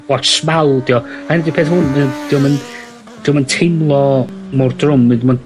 Wats smal 'di o. A'r un 'di peth hwn mae o'n... 'Dio'm yn 'dio'm yn teimlo mor drwm 'fyd ma'n